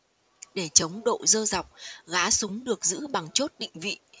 để chống độ rơ dọc gá súng được giữ bằng chốt định vị